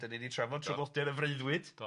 'dan ni 'di trafod traddodiad y freuddwyd... Do...